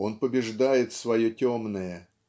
Он побеждает свое темное.